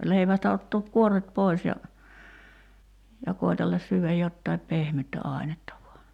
leivästä ottaa kuoret pois ja ja koetella syödä jotakin pehmeätä ainetta vain